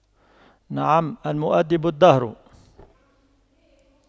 نعم المؤَدِّبُ الدهر